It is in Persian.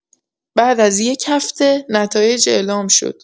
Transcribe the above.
بعد از یک هفته، نتایج اعلام شد.